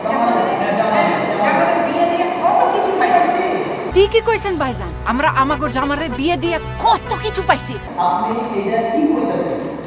জামিলারে হ্যাঁ জামিলা রে বিয়া দিয়ে কত কিছু পাইছি ঠিকই কইছেন ভাইজান আমরা আমাগো জামিল আরে বিয়া দিয়ে কত কিছু পাইছি আপনি এইডা কি কইতাছেন